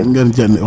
ngeen jënd